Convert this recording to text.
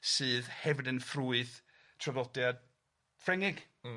sydd hefyd yn ffrwyth traddodiad Ffrengig... M-hm...